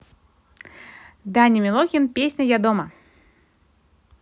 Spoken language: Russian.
даня милохин песня я дома